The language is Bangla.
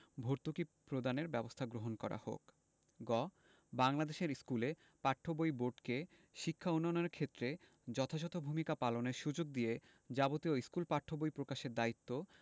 ভর্তুকি প্রদানের ব্যবস্থা গ্রহণ করা হোক গ বাংলাদেশের স্কুলে পাঠ্য বই বোর্ডকে শিক্ষা উন্নয়নের ক্ষেত্রে যথাযথ ভূমিকা পালনের সুযোগ দিয়ে যাবতীয় স্কুল পাঠ্য বই প্রকাশের দায়িত্ব